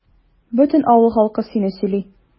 Бөтен авыл халкы сине сөйли.